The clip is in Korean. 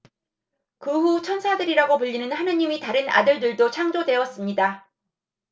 그 후 천사들이라고 불리는 하느님의 다른 아들들도 창조되었습니다